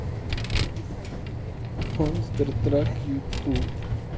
монстр трак ютуб